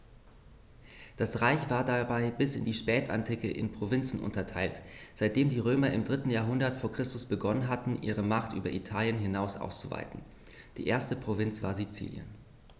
Das Reich war dabei bis in die Spätantike in Provinzen unterteilt, seitdem die Römer im 3. Jahrhundert vor Christus begonnen hatten, ihre Macht über Italien hinaus auszuweiten (die erste Provinz war Sizilien).